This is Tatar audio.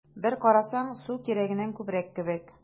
Бер карасаң, су кирәгеннән күбрәк кебек: